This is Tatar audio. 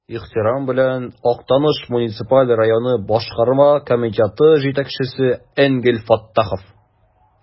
Ихтирам белән, Актаныш муниципаль районы Башкарма комитеты җитәкчесе Энгель Фәттахов.